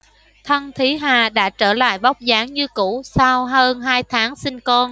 thân thúy hà đã trở lại vóc dáng như cũ sau hơn hai tháng sinh con